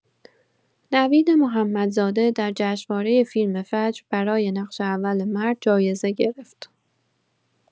نوید محمدزاده در جشنواره فیلم فجر برای نقش اول مرد جایزه گرفت.